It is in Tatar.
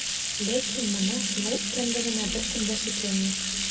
Ләкин моның шулай икәнлегенә беркем дә шикләнми.